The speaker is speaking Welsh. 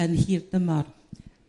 yn hir dymor.